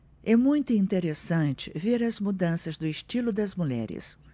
é muito interessante ver as mudanças do estilo das mulheres